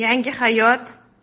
yangi hayot